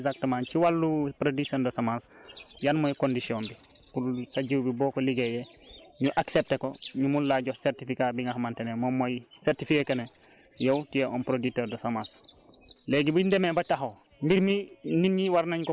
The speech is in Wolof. léegi nag ci yaatu boobu dañ lay topp suivre la waxal la exactement ci wàllu production de semence yan mooy condition bi pour sa jiw bi boo o liggéeyee ñu accepter ko ñu mun laa jox certificat bi nga xamante ne moom mooy cetifier que ne yow tu es un producteur de semence